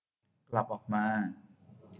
กลับออกมา